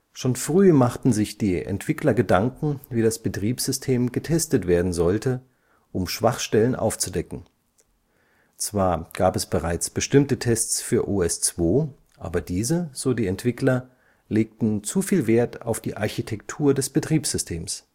Schon früh machten sich die Entwickler Gedanken, wie das Betriebssystem getestet werden sollte, um Schwachstellen aufzudecken. Zwar gab es bereits bestimmte Tests für OS/2, aber diese, so die Entwickler, legten zu viel Wert auf die Architektur des Betriebssystems